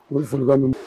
U zurunlanun